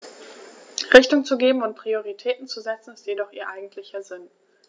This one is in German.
Richtung zu geben und Prioritäten zu setzen, ist jedoch ihr eigentlicher Sinn.